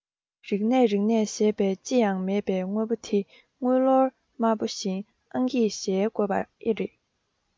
རིག གནས རིག གནས ཞེས པའི ལྕི ཡང མེད པའི དངོས པོ དེ དངུལ ལོར དམར པོ བཞིན ཨང ཀིས གཞལ དགོས པ ཨེ རེད